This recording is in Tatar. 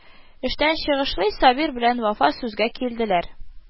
Эштән чыгышлый, Сабир белән Вафа сүзгә килделәр: